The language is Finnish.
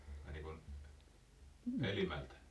ai niin kuin Elimäeltä